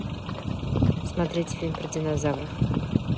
смотреть фильм про динозавров